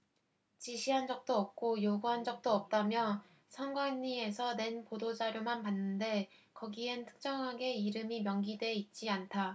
지시한 적도 없고 요구한 적도 없다며 선관위에서 낸 보도자료만 봤는데 거기엔 특정하게 이름이 명기돼 있지 않다